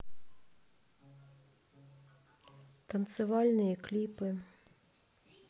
танцевальные клипы